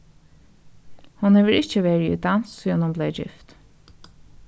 hon hevur ikki verið í dans síðan hon bleiv gift